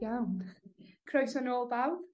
Iawn. Croeso nôl bawb...